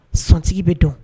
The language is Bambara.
Sɔntigi bɛ dɔn